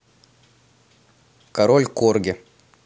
король корги